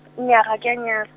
nnyaa ga ke a nyala.